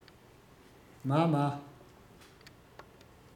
མཱ མཱ